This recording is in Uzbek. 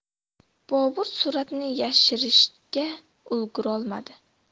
bobur suratni yashirishga ulgurolmadi